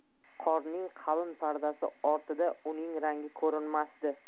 qorning qalin pardasi ortida uning rangi ko'rinmasdi